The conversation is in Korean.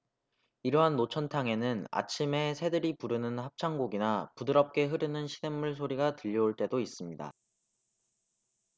이러한 노천탕에는 아침에 새들이 부르는 합창곡이나 부드럽게 흐르는 시냇물 소리가 들려올 때도 있습니다